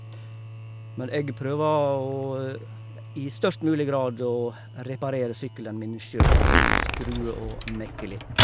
Men jeg prøver å i størst mulig grad å reparere sykkelen min sjøl og skru og mekke litt.